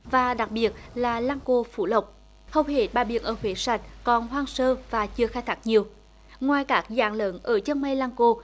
và đặc biệt là lăng cô phú lộc hốc hề bãi biển ở huế sạch còn hoang sơ và chưa khai thác nhiều ngoài các dạng lớn ở chân mây lăng cô